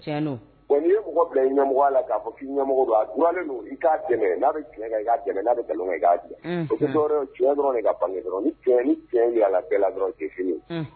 N ye mɔgɔ bila i ɲɛmɔgɔ fɔ ɲɛmɔgɔ n'a dɔrɔn dɔrɔn ni cɛ dɔrɔn